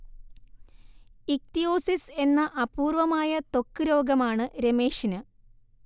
ichthyosis എന്ന അപൂർവമായ ത്വക്ക് രോഗമാണ് രമേഷിന്